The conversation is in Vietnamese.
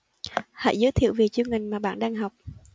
hãy giới thiệu về chuyên ngành mà bạn đang học